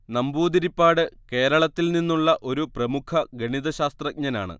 നമ്പൂതിരിപ്പാട്കേരളത്തിൽ നിന്നുള്ള ഒരു പ്രമുഖ ഗണീതശാസ്ത്രജ്ഞനാണ്